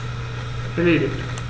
Erledigt.